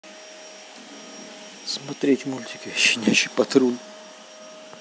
смотреть мультики щенячий патруль